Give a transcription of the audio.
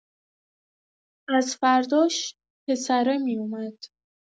از فرداش، پسره می‌اومد.